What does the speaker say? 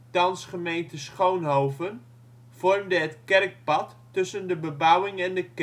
thans gemeente Schoonhoven) vormde het kerkpad tussen de bebouwing en de kerk